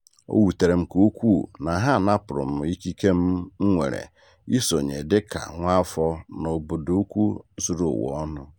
O wutere m nke ukwuu na ha napụrụ m ikike m nwere isonye dika nwa afọ n'obodo ukwu zuru ụwa ọnụ.